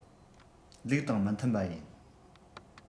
ལུགས དང མི མཐུན པ ཡིན